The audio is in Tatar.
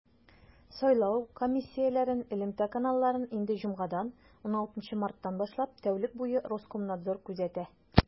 Сайлау комиссияләрен элемтә каналларын инде җомгадан, 16 марттан башлап, тәүлек буе Роскомнадзор күзәтә.